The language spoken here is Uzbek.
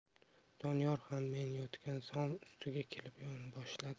doniyor ham men yotgan somon ustiga kelib yonboshladi